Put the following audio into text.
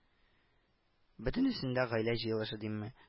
Бөтенесен дә гаилә җыелышы димме